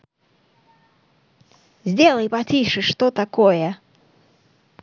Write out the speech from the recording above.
сделай потише что такое